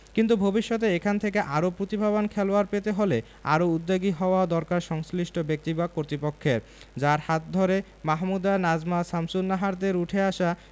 কিন্তু ভবিষ্যতে এখান থেকে আরও প্রতিভাবান খেলোয়াড় পেতে হলে আরও উদ্যোগী হওয়া দরকার সংশ্লিষ্ট ব্যক্তি বা কর্তৃপক্ষের যাঁর হাত ধরে মাহমুদা নাজমা শামসুন্নাহারদের উঠে আসা